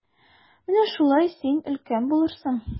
Менә шулай, син өлкән булырсың.